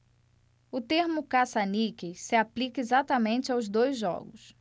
o termo caça-níqueis se aplica exatamente aos dois jogos